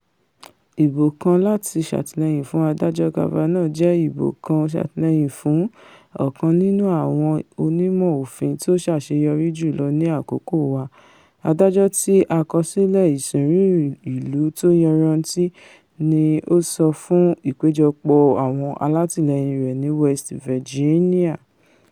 Ìbò kan láti ṣàtìlẹ́yìn fún Adájọ́ Kavanaugh jẹ́ ìbò kan ṣàtìlẹ́yìn fún ọ̀kan nínú àwọn onímọ òfin tó ṣàṣeyọrí jùlọ ni àkokó wa, adájọ́ tí àkọsílẹ̀ ìsìnrú ìlú tó yanranntí,'' ní ó sọ fún ìpéjọpọ̀ àwọn alátìlẹ́yìn rẹ̀ ní West Virginia.